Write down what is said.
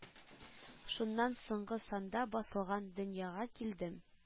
Шуннан соңгы санда басылган «Дөньяга килдем»